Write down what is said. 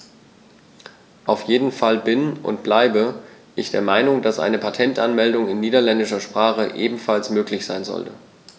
Auf jeden Fall bin - und bleibe - ich der Meinung, dass eine Patentanmeldung in niederländischer Sprache ebenfalls möglich sein sollte.